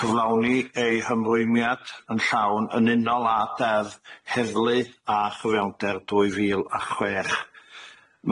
cyflawni ei hymrwymiad yn llawn yn unol â deddf heddlu a chyfiawnder dwy fil a chwech.